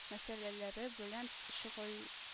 Мәсьәләләре белән шөгыль